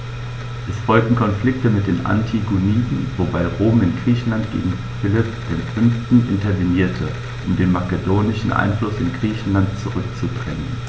Es folgten Konflikte mit den Antigoniden, wobei Rom in Griechenland gegen Philipp V. intervenierte, um den makedonischen Einfluss in Griechenland zurückzudrängen.